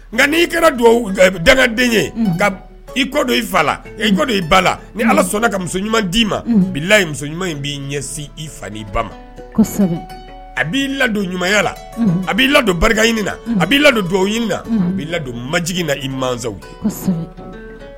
Nka n'i kɛra dangaden ye i kɔdo i fa la ido i ba la ni ala sɔnna ka muso ɲuman d'i ma layi ɲuman in b'i ɲɛsin i fa ba ma a b' i ladon ɲumanya la a b'i ladon barika na a b'i ladon don na a b'i ladon majig na i mazɔnw